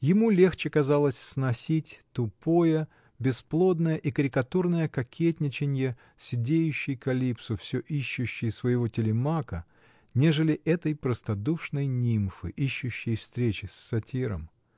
Ему легче казалось сносить тупое, бесплодное и карикатурное кокетничанье седеющей Калипсо, всё ищущей своего Телемака, нежели этой простодушной нимфы, ищущей встречи с сатиром.